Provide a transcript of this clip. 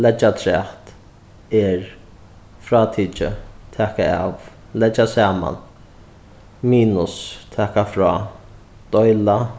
leggja afturat er frátikið taka av leggja saman minus taka frá deila